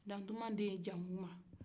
dantuma den jakuma